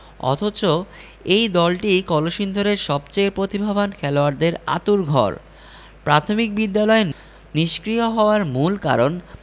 অথচ এই দলটিই কলসিন্দুরের সবচেয়ে প্রতিভাবান খেলোয়াড়দের আঁতুড়ঘর প্রাথমিক বিদ্যালয় নিষ্ক্রিয় হওয়ার মূল কারণ